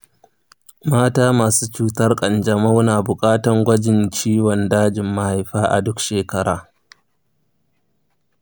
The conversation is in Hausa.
mata masu cutar ƙanjamau na buƙatan gwajin ciwon dajin mahaifa a duk shekara.